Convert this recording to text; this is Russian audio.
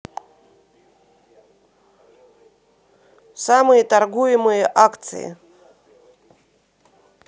самые торгуемые акции